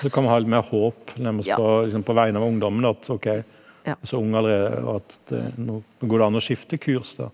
så kan man ha litt mer håp nærmest på å liksom på vegne av ungdommen, at ok altså ung allerede og at det nå nå går det an å skifte kurs da.